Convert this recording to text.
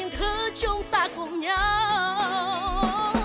những thứ chúng ta cùng nhau